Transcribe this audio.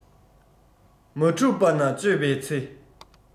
མ གྲུབ པ ན དཔྱོད པའི ཚེ